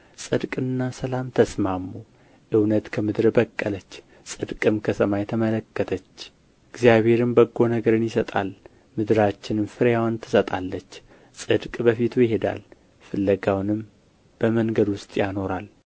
ጽድቅና ሰላም ተስማሙ እውነት ከምድር በቀለች ጽድቅም ከሰማይ ተመለከተች እግዚአብሔርም በጎ ነገርን ይሰጣል ምድራችንም ፍሬዋን ትሰጣለች ጽድቅ በፊቱ ይሄዳል ፍለጋውንም በመንገድ ውስጥ ያኖራል